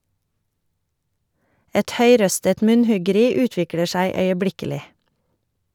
Et høyrøstet munnhuggeri utvikler seg øyeblikkelig.